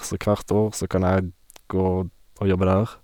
Så hvert år så kan jeg gå og jobbe der.